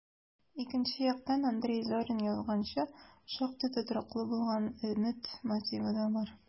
Икенче яктан, Андрей Зорин язганча, шактый тотрыклы булган өмет мотивы да бар: